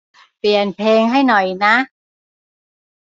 เปลี่ยนเพลงให้หน่อยนะ